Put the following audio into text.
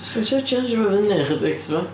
Jyst isio tsheinjo fo fyny 'chydig ti'n gwbod